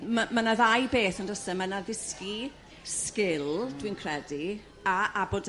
M- ma' 'na ddau beth ond o's e ma' 'na ddysgu sgil dwi'n credu a a bod